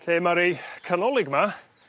Lle ma' rei canolig 'ma